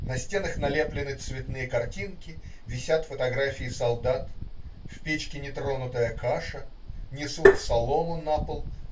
На стенах налеплены цветные картинки, висят фотографии солдат. В печке нетронутая каша. Несут солому на пол.